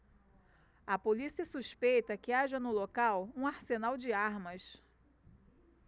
a polícia suspeita que haja no local um arsenal de armas